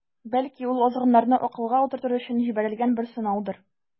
Бәлки, ул азгыннарны акылга утыртыр өчен җибәрелгән бер сынаудыр.